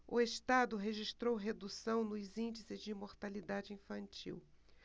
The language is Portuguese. o estado registrou redução nos índices de mortalidade infantil